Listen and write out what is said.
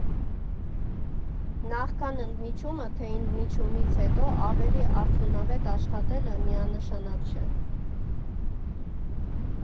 Նախքան ընդմիջումը, թե ընդմիջումից հետո ավելի արդյունավետ աշխատելը միանշանակ չէ։